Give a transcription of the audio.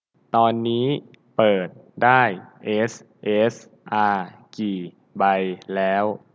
ตอนนี้เปิดได้เอสเอสอากี่ใบแล้ว